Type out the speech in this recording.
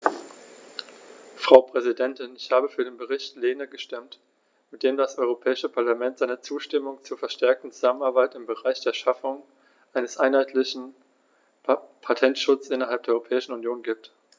Frau Präsidentin, ich habe für den Bericht Lehne gestimmt, mit dem das Europäische Parlament seine Zustimmung zur verstärkten Zusammenarbeit im Bereich der Schaffung eines einheitlichen Patentschutzes innerhalb der Europäischen Union gibt.